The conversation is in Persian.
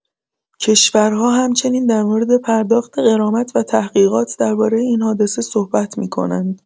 کشورها همچنین در مورد پرداخت غرامت و تحقیقات درباره این حادثه صحبت می‌کنند.